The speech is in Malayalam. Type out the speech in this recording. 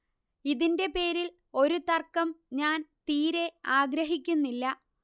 ഇതിന്റെ പേരിൽ ഒരു തർക്കം ഞാൻ തീരെ ആഗ്രഹിക്കുന്നില്ല